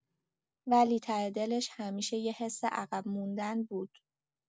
ولی ته دلش همیشه یه حس عقب موندن بود.